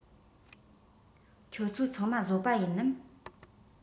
ཁྱོད ཚོ ཚང མ བཟོ པ ཡིན ནམ